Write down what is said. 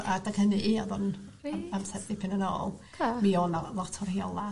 ...adag hynny ia o'dd o'n... Reit. am- amsar dipyn yn ôl. Gosh. Mi o' 'na lot o rheola